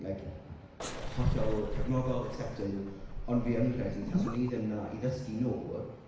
like hollol cefnogol accepting. Ond fi yn credu taswn i ddim 'na i ddysgu nhw...